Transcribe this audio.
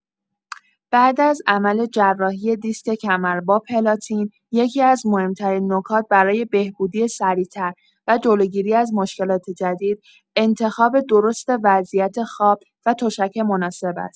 بعد از عمل جراحی دیسک کمر با پلاتین، یکی‌از مهم‌ترین نکات برای بهبودی سریع‌تر و جلوگیری از مشکلات جدید، انتخاب درست وضعیت خواب و تشک مناسب است.